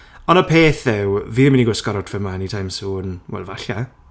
Ond y peth yw, fi ddim yn mynd i gwisgo'r outfit 'ma anytime soon, wel falle!